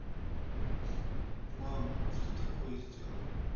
мама что такое сделал